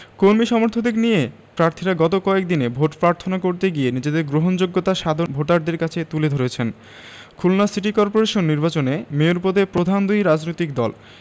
কর্মী সমর্থকদের নিয়ে প্রার্থীরা গত কয়েক দিনে ভোট প্রার্থনা করতে গিয়ে নিজেদের গ্রহণযোগ্যতা সাধারণ ভোটারদের কাছে তুলে ধরেছেন খুলনা সিটি করপোরেশন নির্বাচনে মেয়র পদে প্রধান দুই রাজনৈতিক দল